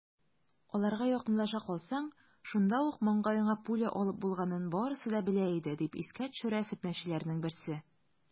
Аларга якынлаша калсаң, шунда ук маңгаеңа пуля алып булганын барысы да белә иде, - дип искә төшерә фетнәчеләрнең берсе.